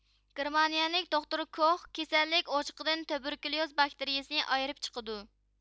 گېرمانىيىلىك دوختۇر كوخ كېسەللىك ئوچىقىدىن تۇبېركۇليۇز باكتىرىيىسىنى ئايرىپ چىقىدۇ